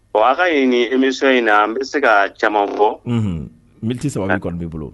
Bon a' ka ni émission in na n bɛ se ka caman fɔ. Unhun minutes saba de kɔni b'i bolo